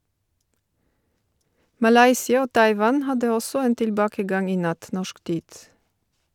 Malaysia og Taiwan hadde også en tilbakegang i natt, norsk tid.